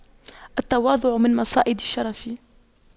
التواضع من مصائد الشرف